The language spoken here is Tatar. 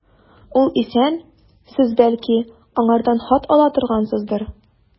Ул исән, сез, бәлки, аңардан хат ала торгансыздыр.